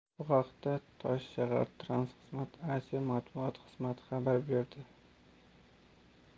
bu haqda toshshahartransxizmat aj matbuot xizmati xabar berdi